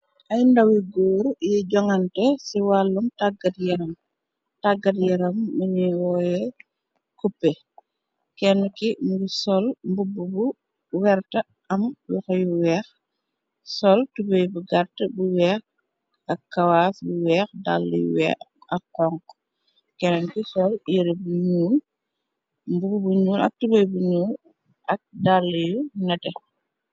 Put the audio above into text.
Ay ndawi góor yi jonante ci wàllum tàggat yaram, taggat yaram bunj de wooye cuppe, kenne ki mingi sol mbubu bu werta am loxo yu weex, sol tubey bu gart bu weex ak kawaas yu weex, dalla yu weex ak xonxu, kenne ki sol yire bu ñuul, mbubu bu ñuul ak tube bu ñuul, ak daale yu nete.